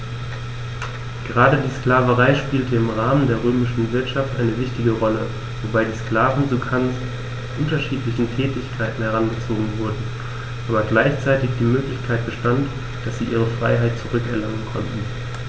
Gerade die Sklaverei spielte im Rahmen der römischen Wirtschaft eine wichtige Rolle, wobei die Sklaven zu ganz unterschiedlichen Tätigkeiten herangezogen wurden, aber gleichzeitig die Möglichkeit bestand, dass sie ihre Freiheit zurück erlangen konnten.